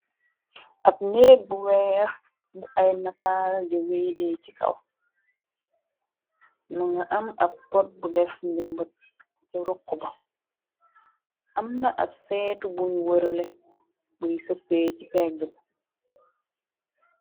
ab neeg bu weex bu ay nataal di weydey ci kaw ma nga am ab pot bu def ndimba te rokk ba am na ab seetu buñu wërale buy soppe ci pegg b